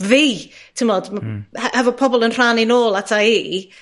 fi, timod ma'... Hmmm. ...he- hefo pobol yn rhannu nôl ata i